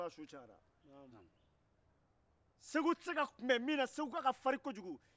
segu te se ka kunbɛ min na seguka ka farin kojugu